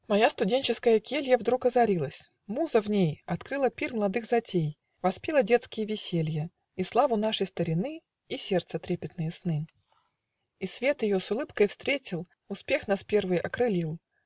Моя студенческая келья Вдруг озарилась: муза в ней Открыла пир младых затей, Воспела детские веселья, И славу нашей старины, И сердца трепетные сны. И свет ее с улыбкой встретил Успех нас первый окрылил